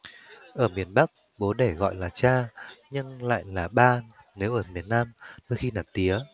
ở miền bắc bố đẻ gọi là cha nhưng lại là ba nếu ở miền nam đôi khi là tía